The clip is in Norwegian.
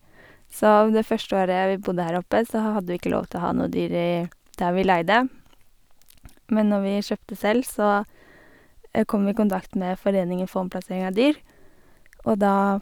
Så v det første året vi bodde her oppe så hadde vi ikke lov til å ha noe dyr i der vi leide Men når vi kjøpte selv, så kom vi i kontakt med Foreningen for omplassering av dyr, Og da...